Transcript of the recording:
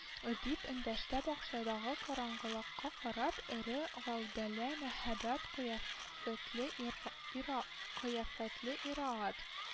—дип эндәште бакчадагы караңгылыкка карап, эре гаүдәле, мәһәбәт кыяффәтле ир-а ир-а кыяфәтле ир-ат